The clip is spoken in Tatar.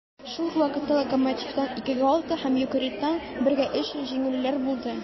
Шул ук вакытта "Локомотив"тан (2:6) һәм "Йокерит"тан (1:3) җиңелүләр булды.